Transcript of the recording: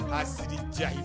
K'a sigi diya ye